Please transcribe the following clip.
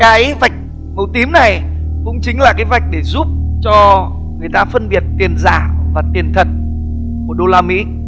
cái vạch màu tím này cũng chính là cái vạch để giúp cho người ta phân biệt tiền giả và tiền thật một đô la mỹ